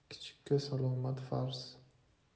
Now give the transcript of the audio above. kichikka salom farz